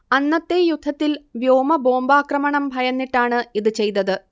അന്നത്തെ യുദ്ധത്തിൽ വ്യോമ ബോംബാക്രമണം ഭയന്നിട്ടാണ് ഇത് ചെയ്തത്